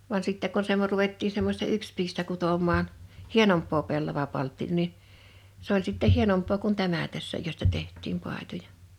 vaan sitten kun sen ruvettiin semmoista yksipiistä kutomaan hienompaa pellavapalttinaa niin se oli sitten hienompaa kuin tämä tässä josta tehtiin paitoja